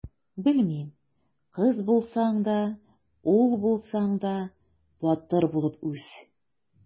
Белмим: кыз булсаң да, ул булсаң да, батыр булып үс!